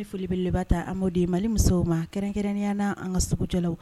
Ni folibeleba ta amadudi ye mali musow ma kɛrɛnya na an ka sugu ja